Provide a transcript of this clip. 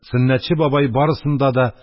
Сөннәтче бабай, барысында да